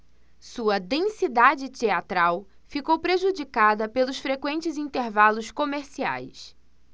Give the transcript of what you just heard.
sua densidade teatral ficou prejudicada pelos frequentes intervalos comerciais